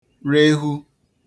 rehū